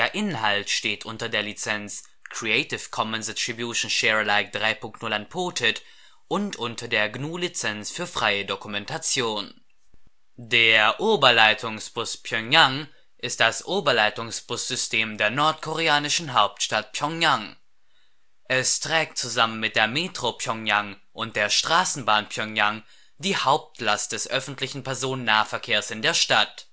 Inhalt steht unter der Lizenz Creative Commons Attribution Share Alike 3 Punkt 0 Unported und unter der GNU Lizenz für freie Dokumentation. Oberleitungsbus Pjöngjang Ein Oberleitungsbus vor der Zentrale der Partei der Arbeit auf dem Kim-Il-sung-Platz. Basisinformationen Staat Nordkorea Stadt Pjöngjang Eröffnung 30. April 1962 Infrastruktur Streckenlänge 57 km Betriebshöfe 3 Betrieb Linien 10 Linienlänge 57 km Fahrzeuge Ch’ ŏllima-9.25, Ch’ ŏllima-90, Ch’ ŏllima-091 und weitere. Statistik Bezugsjahr 2015 Der Oberleitungsbus Pjöngjang ist das Oberleitungsbussystem der nordkoreanischen Hauptstadt Pjöngjang. Es trägt zusammen mit der Metro Pjöngjang und der Straßenbahn Pjöngjang die Hauptlast des öffentlichen Personennahverkehrs in der Stadt